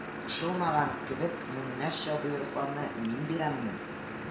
Кушылмаган кебек меңнәрчә боерыкларны мин бирәмме